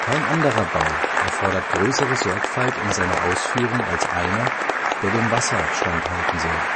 Kein anderer Bau erfordert größere Sorgfalt in seiner Ausführung als einer, der dem Wasser standhalten soll.